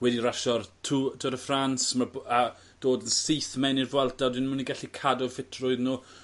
wedi rasio't Too Tour de France ma' bo-... A dod yn syth mewn i'r Vuelta odyn n'w myn' i gallu cadw 'u ffitrwydd n'w